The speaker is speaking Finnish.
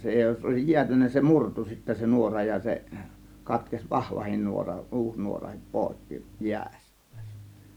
se jos olisi jäätynyt se murtui sitten se nuora ja ja se katkesi vahvakin nuora uusi nuorakin poikki jäissä